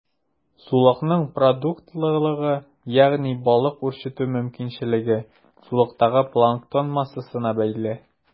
Сулыкның продуктлылыгы, ягъни балык үрчетү мөмкинчелеге, сулыктагы планктон массасына бәйле.